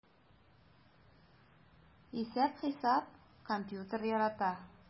Исәп-хисап, компьютер ярата...